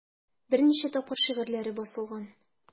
Берничә тапкыр шигырьләре басылган.